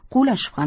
quvlashib ham